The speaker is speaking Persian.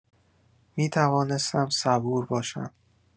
می‌توانستم صبور باشم.